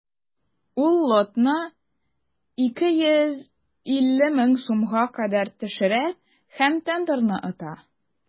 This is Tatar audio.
Ул лотны 250 мең сумга кадәр төшерә һәм тендерны ота.